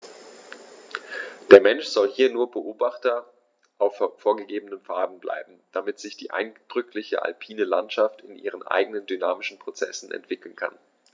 Der Mensch soll hier nur Beobachter auf vorgegebenen Pfaden bleiben, damit sich die eindrückliche alpine Landschaft in ihren eigenen dynamischen Prozessen entwickeln kann.